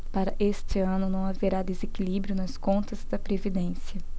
para este ano não haverá desequilíbrio nas contas da previdência